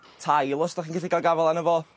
tail os 'dach chi'n gallu ga'l gafal arno fo